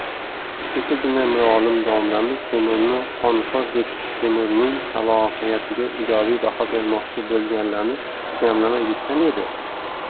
kechagina mirolim domlamiz temurni qonxo'r deb temurning salohiyatiga ijobiy baho bermoqchi bo'lganlarni yamlamay yutgan edi